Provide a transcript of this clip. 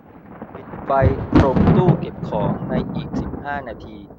ปิดไฟตรงตู้เก็บของในอีกสิบห้านาที